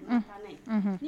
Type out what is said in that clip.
Un unh